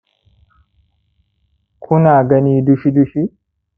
ku na gani dushi-dushi